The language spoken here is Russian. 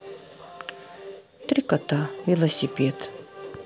три кота велосипед